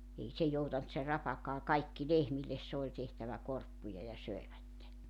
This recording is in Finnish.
ei se joutanut se rapakaan kaikki lehmille se oli tehtävä korppuja ja söivät